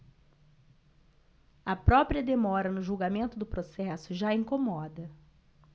a própria demora no julgamento do processo já incomoda